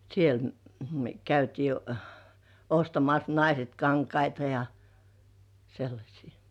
siellä me käytiin ostamassa naiset kankaita ja sellaisia